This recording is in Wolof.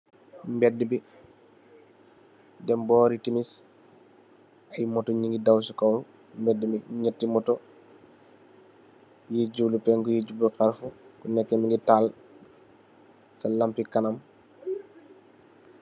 Behdi bi dem borri temis ai moto nyu gi daw si kawam behdi bi nyehti moto bi jublu penku bi jublu kharfu bu neka mugi tal sa lampi kanam.